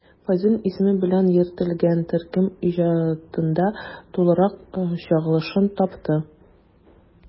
Фәйзуллин исеме белән йөртелгән төркем иҗатында тулырак чагылышын тапты.